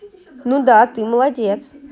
ну да ты молодец